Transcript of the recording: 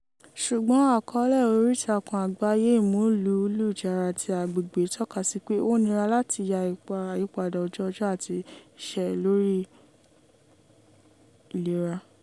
Ṣùgbọ́n àkọọ́lẹ̀ oríìtakùn àgbáyé Ìmúlùúlujára àti Agbègbè tọ́ka sí pé ó nira láti ya ipa àyípadà ojú-ọjọ́ àti ìṣẹ́ lórí ìlera.